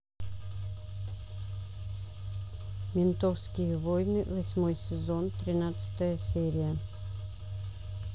ментовские войны восьмой сезон тринадцатая серия